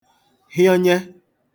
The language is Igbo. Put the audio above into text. hịọnye